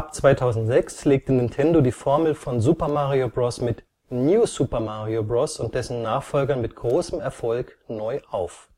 2006 legte Nintendo die Formel von Super Mario Bros. mit New Super Mario Bros. und dessen Nachfolgern mit großem Erfolg neu auf